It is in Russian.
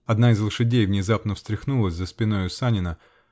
Одна из лошадей внезапно встряхнулась за спиною Санина